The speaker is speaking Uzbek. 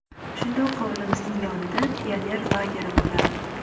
shundoq hovlimizning yonida pioner lageri bo'lardi